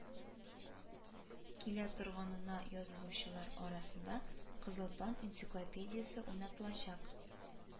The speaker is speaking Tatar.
Килә торганына язылучылар арасында кызыл таң энциклопедиясе уйнатылачак